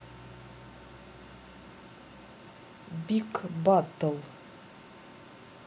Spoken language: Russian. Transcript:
bic баттл